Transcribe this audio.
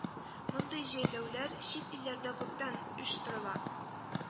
Мондый җәйләүләр чит илләрдә күптән оештырыла